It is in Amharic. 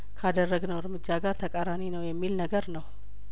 ካደረግ ነው እርምጃ ጋር ተቃራኒ ነው የሚል ነገር ነው